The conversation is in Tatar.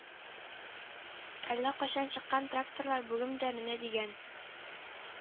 Әллә кайчан чыккан тракторлар бүген дә менә дигән